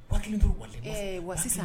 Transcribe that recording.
Waati b bɛ wa wa